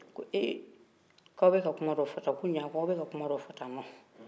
ee ko aw bɛ ka kuma dɔ fɔ ta ko ɲaa ko aw bɛ ka kuma dɔ fɔ